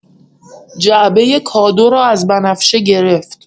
جعبۀ کادو را از بنفشه گرفت.